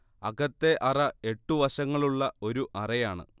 അകത്തെ അറ എട്ട് വശങ്ങളുള്ള ഒരു അറയാണ്